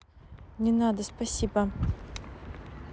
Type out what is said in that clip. не надо спасибо